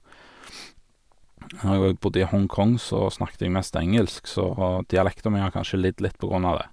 Når jeg bodde i Hong Kong, så snakket jeg mest engelsk, så dialekten min har kanskje lidd litt på grunn av det.